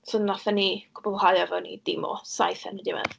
So wnaethon ni cwblhau, oedden ni dîm o saith yn y diwedd.